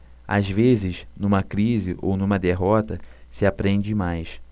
às vezes numa crise ou numa derrota se aprende mais